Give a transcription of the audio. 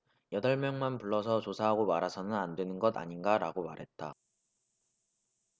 여덟 명만 불러서 조사하고 말아서는 안되는 것 아닌가라고 말했다